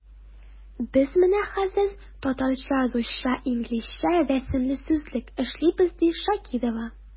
Без менә хәзер “Татарча-русча-инглизчә рәсемле сүзлек” эшлибез, ди Шакирова.